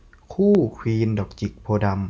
คู่ควีนดอกจิกโพธิ์ดำ